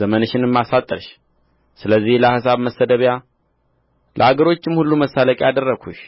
ዘመንሽንም አሳጠርሽ ስለዚህ ለአሕዛብ መሰደቢያ ለአገሮችም ሁሉ መሳለቂያ አደረግሁሽ